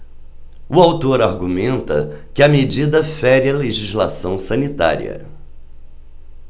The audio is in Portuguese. o autor argumenta que a medida fere a legislação sanitária